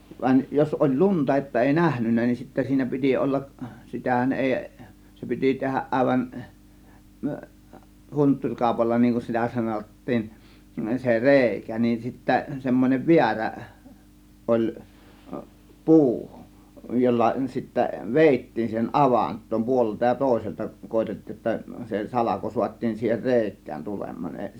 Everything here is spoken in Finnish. vaan jos oli lunta että ei nähnyt niin sitten siinä piti olla sitähän ei se piti tehdä aivan - huntturikaupalla niin kuin sitä sanottiin se reikä niin sitten semmoinen väärä oli puu jolla sitten vedettiin siihen avantoon puolelta ja toiselta koetettiin jotta se salko saatiin siihen reikään tulemaan -